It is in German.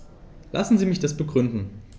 Lassen Sie mich das begründen.